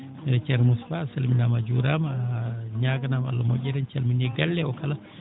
e ceerno Moustapha a salminaama a juuraama a ñaaganaama Allah moƴƴere en calminii galle oo kala